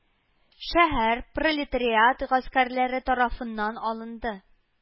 Шәһәр пролетариат гаскәрләре тарафыннан алынды